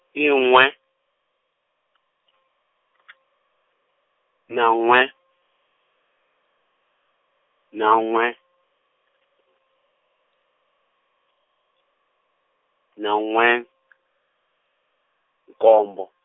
i n'we , na n'we, na n'we , na n'we , nkombo.